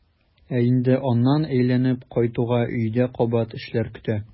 Ә инде аннан әйләнеп кайтуга өйдә кабат эшләр көтә.